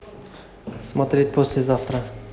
смотреть послезавтра